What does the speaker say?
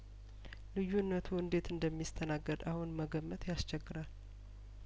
ልዩነቱ እንዴት እንደሚስተናገድ አሁን መገመት ያስቸግራል